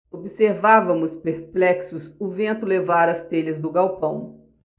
observávamos perplexos o vento levar as telhas do galpão